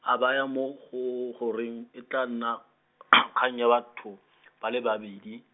a baya mo go go reng, e tla nna , kgang ya batho , ba le babedi.